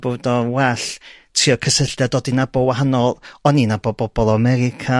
bod o'n well trio cysylltu a dod i nabo' wahanol... oni'n nabo' bobol o America